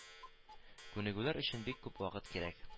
Күнегүләр өчен бик күп вакыт кирәк